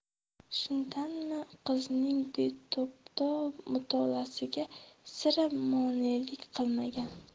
shundanmi qizining beto'xtov mutolaasiga sira monelik qilmagan